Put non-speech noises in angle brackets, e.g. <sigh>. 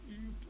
<hesitation> <hesitation>